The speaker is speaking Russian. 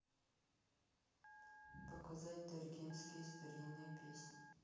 показать даргинские старинные песни